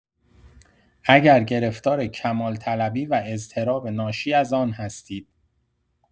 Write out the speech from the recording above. اگر گرفتار کمال‌طلبی و اضطراب ناشی از آن هستید.